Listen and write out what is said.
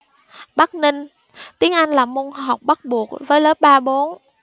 bắc ninh tiếng anh là môn học bắt buộc với lớp ba bốn